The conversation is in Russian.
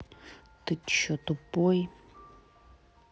ты че тупой